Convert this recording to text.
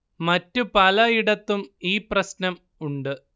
മറ്റ് പലയിടത്തും ഈ പ്രശ്നം ഉണ്ട്